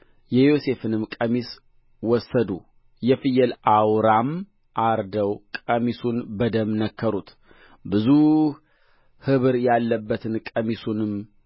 የዮሴፍንም ቀሚስ ወሰዱ የፍየል አውራም አርደው ቀሚሱን በደም ነከሩት ብዙ ኅብር ያለበትን ቀሚሱንም